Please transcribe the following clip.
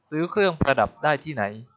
ซื้อเครื่องประดับได้ที่ไหน